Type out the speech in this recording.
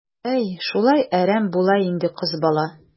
Әй, шулай әрәм була инде кыз бала.